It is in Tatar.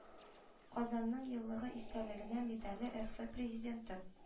“казанның еллыгы истәлегенә” медале рф президенты